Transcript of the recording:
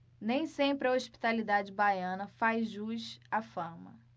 nem sempre a hospitalidade baiana faz jus à fama